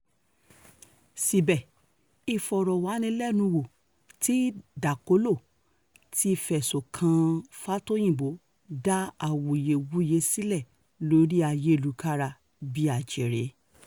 Síbẹ̀, ìfọ̀rọ̀wánilẹ́nuwò tí Dakolo ti fẹ̀sùn kan Fátóyìnbó dá awuyewuye sílẹ̀ lórí ayélukára bí ajere.